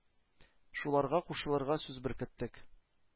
Шуларга кушылырга сүз беркеттек,